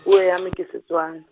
puo ya me ke Setswana.